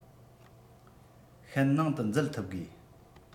ཤད ནང དུ འཛུལ ཐུབ དགོས